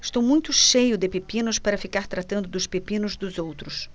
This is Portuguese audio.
estou muito cheio de pepinos para ficar tratando dos pepinos dos outros